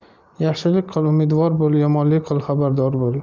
yaxshilik qil umidvor bo'l yomonlik qil xabardor bo'l